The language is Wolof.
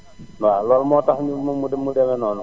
waaw loolu moo tax mu mu mu demee noonu